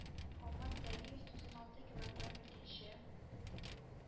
Алмаз Галиев туксан алты киллограмм икенче,